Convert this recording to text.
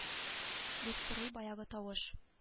- дип сорый баягы тавыш